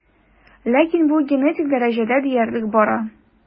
Ләкин бу генетик дәрәҗәдә диярлек бара.